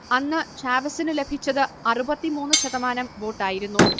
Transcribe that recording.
അന്ന് ചാവെസിനു ലഭിച്ചത് അറുപത്തി മൂന്ന് ശതമാനം വോട്ടായിരുന്നു